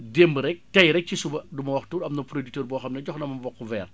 démb rekk tay rekk ci suba du ma wax tur am na producteur boo xam ne jox na ma mboq vert